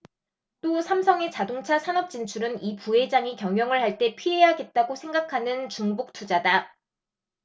또 삼성의 자동차 산업 진출은 이 부회장이 경영을 할 때 피해야겠다고 생각하는 중복 투자다